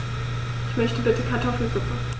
Ich möchte bitte Kartoffelsuppe.